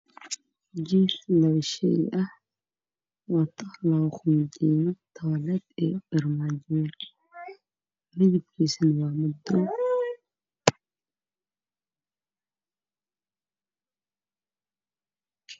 Meeshaan waxaa ka muuqdo jiif labo shey ah